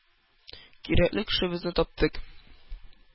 «кирәкле кешебезне таптык!» —